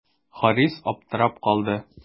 Харис аптырап калды.